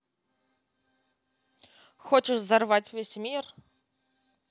хочешь взорвать весь мир